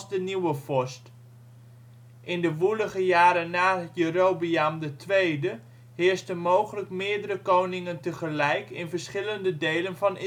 de nieuwe vorst; In de woelige jaren na Jerobeam II heersten mogelijk meerdere koningen tegelijk in verschillende delen van